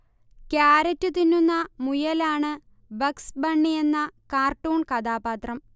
carrot തിന്നുന്ന മുയലാണ് Bugs ബണ്ണിയെന്ന കാർട്ടൂൺ കഥാപാത്രാം